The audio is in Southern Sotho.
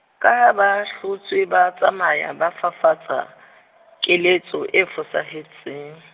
ka ha ba hlotswe ba tsamaya ba fafatsa , keletso e fosahetseng.